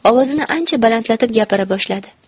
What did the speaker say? ovozini ancha balandlatib gapira boshladi